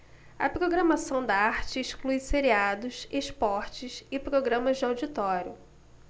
a programação da arte exclui seriados esportes e programas de auditório